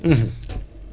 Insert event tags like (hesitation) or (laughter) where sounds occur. (hesitation) (hesitation) (noise)